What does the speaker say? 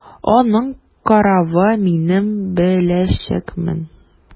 Аның каравы, мин беләчәкмен!